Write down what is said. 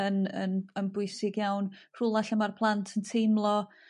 yn yn yn bwysig iawn rhwle lle ma'r plant yn teimlo